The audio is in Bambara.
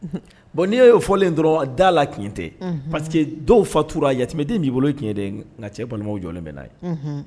Bon ni yo fɔlen ye dɔrɔn da la tiɲɛ tɛ . Parceque dɔw fatura yatimɛden bi bolo o ye tiɲɛ dɛn, nka cɛ balimaw jɔlen bɛ na ye.